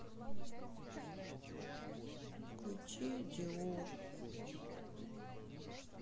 включи диор